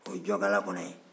o ye jɔkala kɔnɔ ye